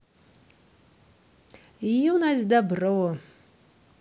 юность dabro